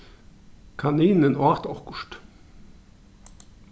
kaninin át okkurt